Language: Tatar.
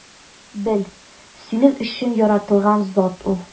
Бел: синең өчен яратылган зат ул!